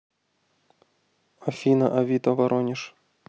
афина авито воронеж